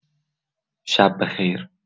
شب‌به‌خیر.